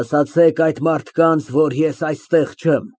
Ասացեք այդ մարդկանց, որ ես այստեղ չեմ։